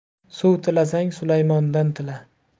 suv tilasang sulaymondan tila